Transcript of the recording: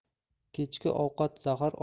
kechki ovqat zahar